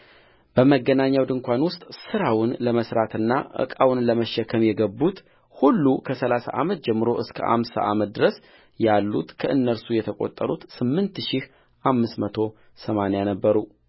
በመገናኛው ድንኳን ውስጥ ሥራውን ለመሥራትና ዕቃውን ለመሸከም የገቡት ሁሉ ከሠላሳ ዓመት ጀምሮ እስከ አምሳ ዓመት ድረስ ያሉትከእነርሱ የተቈጠሩት ስምንት ሺህ እምስት መቶ ሰማንያ ነበሩ